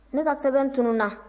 ne ka sɛbɛn tununna